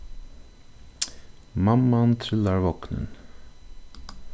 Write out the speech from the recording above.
mamman trillar vognin